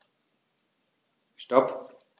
Stop.